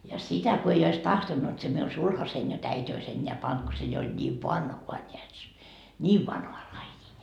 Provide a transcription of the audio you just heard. ja sitä kun ei olisi tahtonut se minun sulhaseni jotta äiti olisi enää pannut kun se jo oli niin vanhaa näet se niin vanhaa lajia